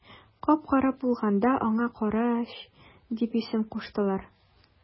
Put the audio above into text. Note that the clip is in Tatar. Кап-кара булганга аңа карач дип исем куштылар.